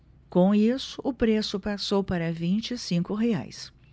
com isso o preço passou para vinte e cinco reais